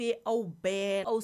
Aw bɛ aw bɛɛ aw